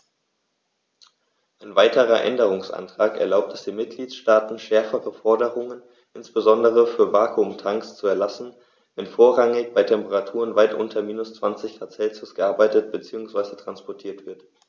Ein weiterer Änderungsantrag erlaubt es den Mitgliedstaaten, schärfere Forderungen, insbesondere für Vakuumtanks, zu erlassen, wenn vorrangig bei Temperaturen weit unter minus 20º C gearbeitet bzw. transportiert wird.